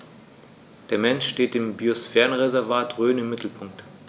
Der Mensch steht im Biosphärenreservat Rhön im Mittelpunkt.